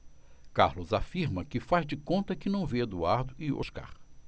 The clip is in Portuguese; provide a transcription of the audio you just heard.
carlos afirma que faz de conta que não vê eduardo e oscar